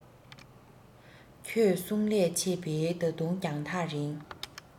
ཁྱེད གསུང ལས མཆེད པའི ད དུང རྒྱང ཐག རིང